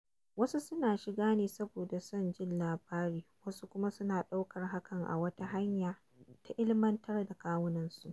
Wasu suna shiga ne saboda son jin labari; wasu kuma suna ɗaukar hakan a wata hanya ta ilmantar da kawunansu.